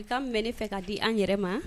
I ka bɛ ne fɛ k ka d di an yɛrɛ ma